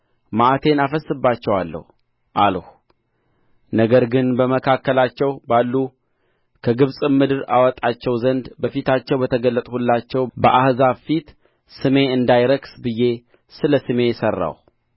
መዓቴን አፈስስባቸዋለሁ አልሁ ነገር ግን በመካከላቸው ባሉ ከግብጽም ምድር አወጣቸው ዘንድ በፊታቸው በተገለጥሁላቸው በአሕዛብ ፊት ስሜ እንዳይረክስ ብዬ ስለ ስሜ ሠራሁ